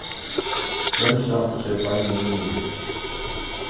bremsa og set beinini niður